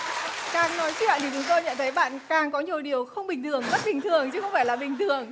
càng nói chuyện thì chúng tôi nhận thấy bạn càng có nhiều điều không bình thường bất bình thường chứ không phải là bình thường